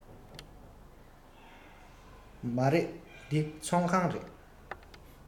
མ རེད འདི ཚོང ཁང རེད